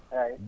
eeyi